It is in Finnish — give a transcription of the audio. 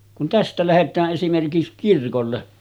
kun tästä lähdetään esimerkiksi kirkolle